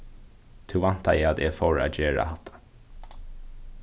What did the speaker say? tú væntaði at eg fór at gera hatta